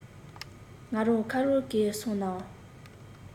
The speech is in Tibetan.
ང རང ཁ རོག གེར སོང ནས